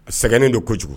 A sɛgɛnnen don kojugu